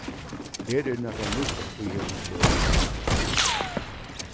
her er nakað nýtt í hesi søgu